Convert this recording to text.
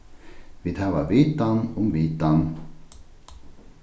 vit hava vitan um vitan